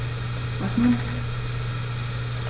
Was nun?